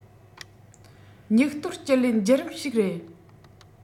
སྙིགས དོར བཅུད ལེན བརྒྱུད རིམ ཞིག རེད